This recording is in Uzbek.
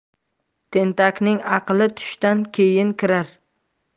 tentakning aqli tushdan keyin kirar